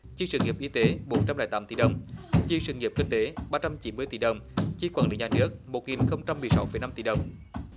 chi sự nghiệp y tế bốn trăm lẻ tám tỷ đồng chi sự nghiệp kinh tế ba trăm chín mươi tỷ đồng chi quản lý nhà nước một nghìn không trăm mười sáu phẩy năm tỷ đồng